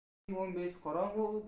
oyning o'n beshi qorong'u